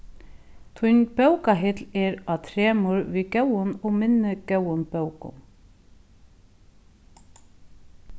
tín bókahill er á tremur við góðum og minni góðum bókum